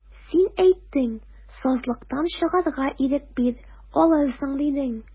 Син әйттең, сазлыктан чыгарга ирек бир, алырсың, дидең.